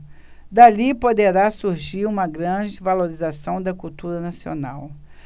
dali poderá surgir uma grande valorização da cultura nacional